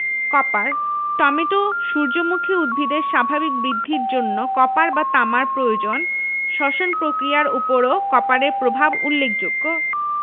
copper tomato সূর্যমুখী উদ্ভিদের স্বাভাবিক বৃদ্ধির জন্য কপার বা তামার প্রয়োজন শ্বসন পক্রিয়ার উপরও কপারের প্রভাব উল্লেখযোগ্য